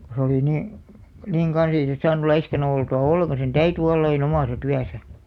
kun se oli niin niin kanssa ei se saanut laiskana oltua ollenkaan sen täytyi olla aina omassa työssä